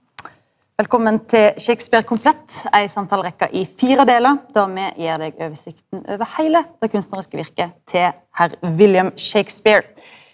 velkommen til Shakespeare komplett, ei samtalerekke i fire delar der me gjev deg oversikta over heile det kunstnariske virket til herr William Shakespeare.